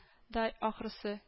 Да ахрысы”